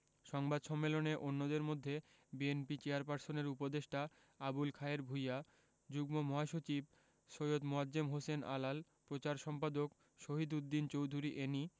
সংবাদ সম্মেলনে অন্যদের মধ্যে বিএনপি চেয়ারপারসনের উপদেষ্টা আবুল খায়ের ভূইয়া যুগ্ম মহাসচিব সৈয়দ মোয়াজ্জেম হোসেন আলাল প্রচার সম্পাদক শহীদ উদ্দিন চৌধুরী এ্যানি